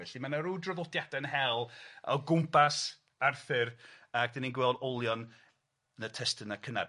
Felly, ma' 'na rw draddodiade'n hel o gwmpas Arthur, ag 'dan ni'n gweld olion yn y testuna cynnar.